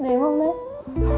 mềm không đấy